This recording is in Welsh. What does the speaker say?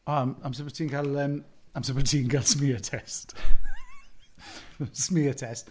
O amser bod ti'n cael yym... Amser bod ti'n cael smear test. Smear test.